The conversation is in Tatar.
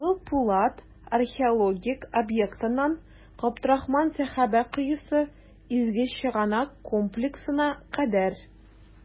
«кызыл пулат» археологик объектыннан "габдрахман сәхабә коесы" изге чыганак комплексына кадәр.